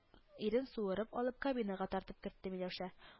Ирен суырып алып кабинага тартып кертте миләүшә